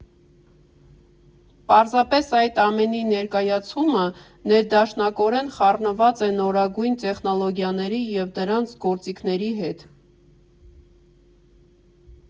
Պարզապես այդ ամենի ներկայացումը ներդաշնակորեն խառնված է նորագույն տեխնոլոգիաների և դրանց գործիքների հետ»։